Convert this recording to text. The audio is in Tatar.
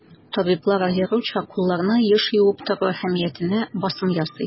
Табиблар аеруча кулларны еш юып тору әһәмиятенә басым ясый.